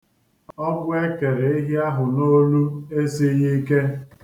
Ọgbụ e kere ehi ahụ n'olu esighi ike.